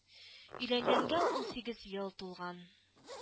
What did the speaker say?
Өйләнгәнгә унсигез ел тулган